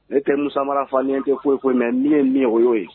Ne teri samara fa tɛ foyi ko mɛ nin ye min o y yeo ye